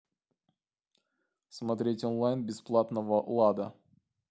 смотреть онлайн бесплатно влада